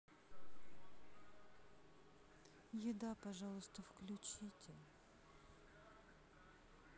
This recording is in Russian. еда пожалуйста включите